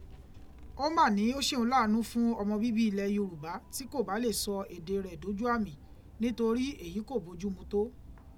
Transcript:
Ó mà ní ó ṣe òun láàánú fún ọmọbíbí ilẹ̀ Yorùbá tí kò bá lè sọ èdè rẹ̀ dójú àmì nítorí èyí kò bójú mu tó.